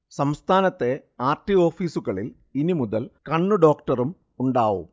സംസ്ഥാനത്തെ R. T ഓഫീസുകളിൽ ഇനി മുതൽ കണ്ണുഡോക്ടറും ഉണ്ടാവും